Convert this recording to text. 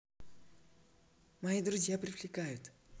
мои друзья привлекают